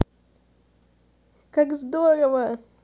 как здорово